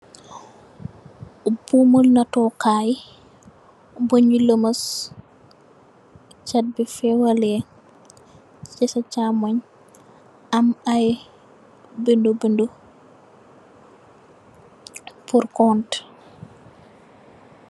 Buumu nahtor kaii, bungh lohmass, chhat bii fehwaleh chi sa chaamongh, am aiiy bindu bindu pur contue.